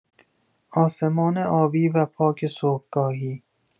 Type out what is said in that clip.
آسمان آبی و پاک صبحگاهی